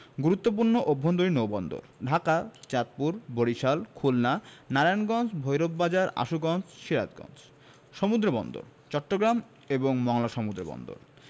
গুরুত্বপূর্ণ অভ্যন্তরীণ নৌবন্দরঃ ঢাকা চাঁদপুর বরিশাল খুলনা নারায়ণগঞ্জ ভৈরব বাজার আশুগঞ্জ সিরাজগঞ্জ সমুদ্রবন্দরঃ চট্টগ্রাম এবং মংলা সমুদ্রবন্দর